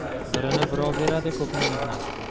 birni birov beradi ko'pni mehnat